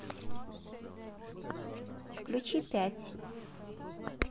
включи пять